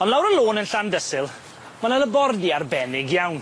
Ond lawr y lôn yn Llandysul, ma' 'na labordy arbennig iawn.